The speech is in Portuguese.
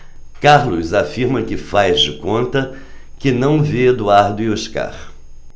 carlos afirma que faz de conta que não vê eduardo e oscar